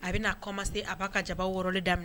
A bɛna commencer a b'a ka jaba worolen daminɛ